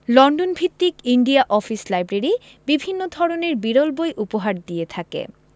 London ভিত্তিক India office library বিভিন্ন ধরনের বিরল বই উপহার দিয়ে থাকে